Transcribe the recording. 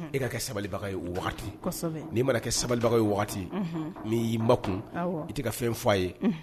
E ka kɛ sabalibagaw ye waati n'i mana kɛ sabalibagaw ye waati n y'i ma kun i tɛ ka fɛn f fɔ aa ye